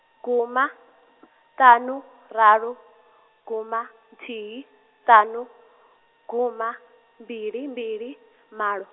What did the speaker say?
guma, ṱanu, raru, guma nthihi, ṱanu, guma, mbili mbili, malo.